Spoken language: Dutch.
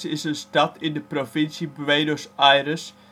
is een stad in de provincie Buenos Aires